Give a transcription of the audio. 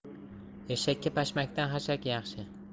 eshakka pashmakdan xashak yaxshi